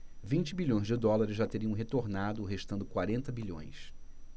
vinte bilhões de dólares já teriam retornado restando quarenta bilhões